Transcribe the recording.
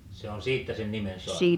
se on siitä sen nimen saanut